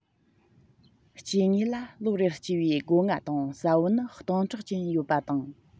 སྐྱེ དངོས ལ ལོ རེར སྐྱེས པའི སྒོ ང དང ས བོན ནི སྟོང ཕྲག ཅན ཡོད པ དང